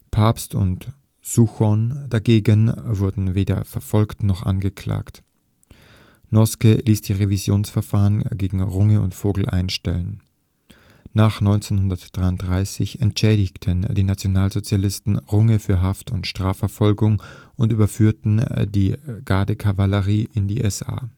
Pabst und Souchon dagegen wurden weder verfolgt noch angeklagt. Noske ließ die Revisionsverfahren gegen Runge und Vogel einstellen. Nach 1933 entschädigten die Nationalsozialisten Runge für Haft und Strafverfolgung und überführten die Gardekavallerie in die SA.